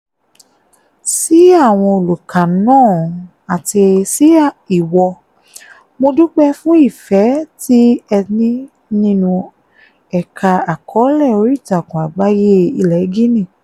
Sí àwọn olùkà náà àti sí ìwọ, mo dúpẹ́ fún ìfẹ́ tí ẹ ní nínú ẹ̀ka àkọọ́lẹ̀ oríìtakùn àgbáyé ilẹ̀ Guinea.